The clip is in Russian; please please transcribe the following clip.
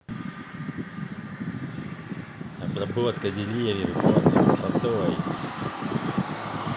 обработка деревьев в борной кислотой